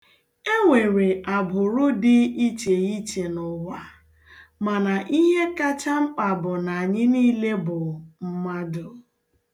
E nwere agbụrụ dị iche iche n'ụwa mana ihe kacha mkpa bụ na anyị niile bụ mmadụ.